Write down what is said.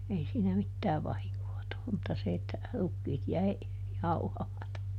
ei siinä mitään vahinkoa tullut mutta se että rukiit jäi jauhamatta